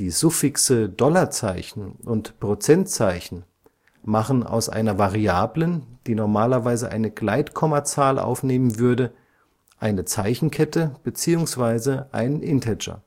Suffixe $ (Dollarzeichen) und % (Prozentzeichen) machen aus einer Variablen, die normalerweise eine Gleitkommazahl aufnehmen würde, eine Zeichenkette beziehungsweise einen Integer